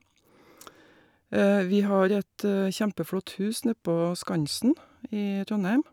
Vi har et kjempeflott hus nedpå Skansen i Trondheim.